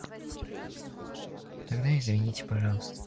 тогда извините пожалуйста